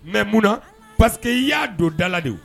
Mɛ munna na parceseke i y'a don dala de